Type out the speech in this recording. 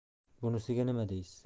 bunisiga nima deysiz